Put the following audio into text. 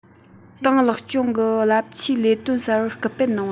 ཏང ལེགས སྐྱོང གི རླབས ཆེའི ལས དོན གསར པར སྐུལ སྤེལ གནང བ